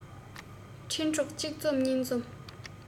འཕྲིན གྲོགས གཅིག འཛོམས གཉིས འཛོམས